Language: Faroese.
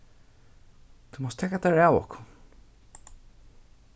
tú mást taka tær av okkum